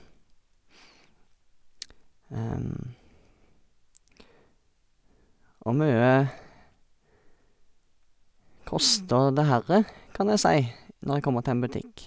Å mye koster det herre, kan jeg si når jeg kommer til en butikk.